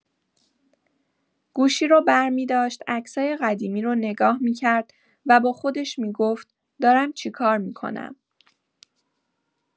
گوشی رو برمی‌داشت، عکسای قدیمی رو نگاه می‌کرد و با خودش می‌گفت «دارم چیکار می‌کنم؟»